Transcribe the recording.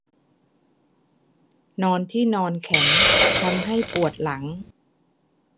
นอนที่นอนแข็งทำให้ปวดหลัง